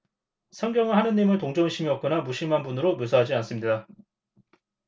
성경은 하느님을 동정심이 없거나 무심한 분으로 묘사하지 않습니다